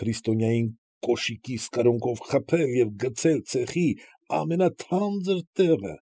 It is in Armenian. Քրիստոնյային կոշկիս կրունկով խփել և գցել ցեխի ամենաթանձր տեղը։